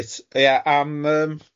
Wyt ie am yym.